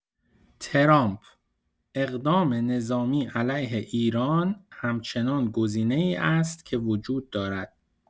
ترامپ: اقدام نظامی علیه ایران همچنان گزینه‌ای است که وجود دارد.